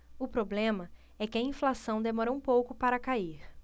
o problema é que a inflação demora um pouco para cair